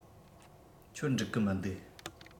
ཁྱོད འགྲིག གི མི འདུག